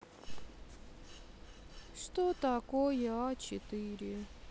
что такое а четыре